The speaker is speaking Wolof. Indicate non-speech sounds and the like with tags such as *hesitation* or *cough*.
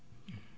*hesitation* *hesitation*